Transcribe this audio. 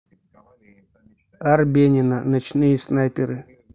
арбенина ночные снайперы